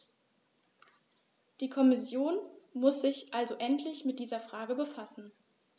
Die Kommission muss sich also endlich mit dieser Frage befassen.